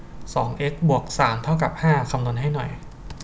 สองเอ็กซ์บวกสามเท่ากับห้าคำนวณให้หน่อย